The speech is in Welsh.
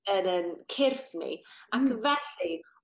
yn 'yn cyrff ni ac felly